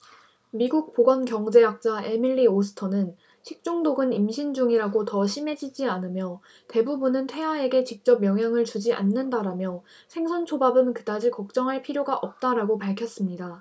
미국 보건경제학자 에밀리 오스터는 식중독은 임신 중이라고 더 심해지지 않으며 대부분은 태아에게 직접 영향을 주지 않는다라며 생선초밥은 그다지 걱정할 필요가 없다라고 밝혔습니다